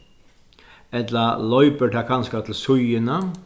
ella loypur tað kanska til síðuna